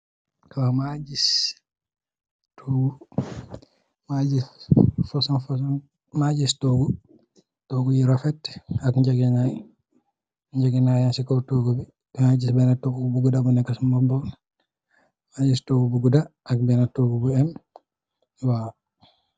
Waw mangui jiss togu, togu yu refet ak nchegenaye. Nchegenaye yang si kaw togu mangui guiss bena togu bu guuda ak bena togu bu em